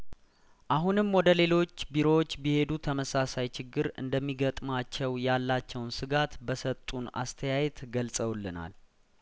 አሁንም ወደ ሌሎች ቢሮዎች ቢሄዱ ተመሳሳይችግር እንደሚገጥማቸው ያላቸውን ስጋት በሰጡን አስተያየት ገልጸውልናል